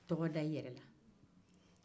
tɔgɔ da i yɛrɛ la